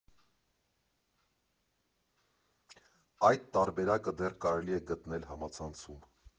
Այդ տարբերակը դեռ կարելի է գտնել համացանցում։